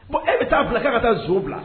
Bon e bɛ taa bila kɛ ka taa n bila